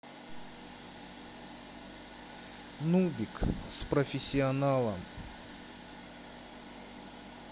нубик с профессионалом